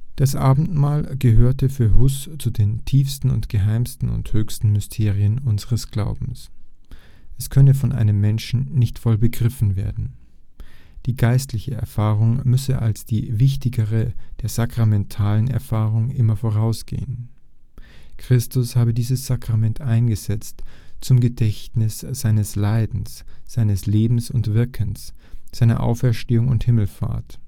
Das Abendmahl gehörte für Hus zu den „ tiefsten und geheimsten und höchsten Mysterien unseres Glaubens “. Es könne von einem Menschen nicht voll begriffen werden. Die geistliche Erfahrung müsse als die wichtigere der sakramentalen Erfahrung immer vorausgehen. Christus habe dieses Sakrament eingesetzt zum Gedächtnis seines Leidens, seines Lebens und Wirkens, seiner Auferstehung und Himmelfahrt